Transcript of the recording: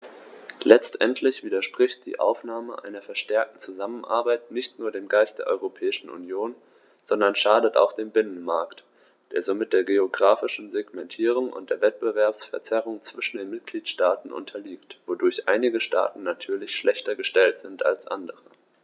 Letztendlich widerspricht die Aufnahme einer verstärkten Zusammenarbeit nicht nur dem Geist der Europäischen Union, sondern schadet auch dem Binnenmarkt, der somit der geographischen Segmentierung und der Wettbewerbsverzerrung zwischen den Mitgliedstaaten unterliegt, wodurch einige Staaten natürlich schlechter gestellt sind als andere.